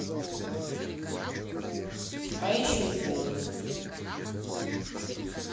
а еще сделай